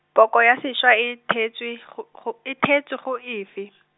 poko ya seswa e theetswe go, go, e theetswe go efe ?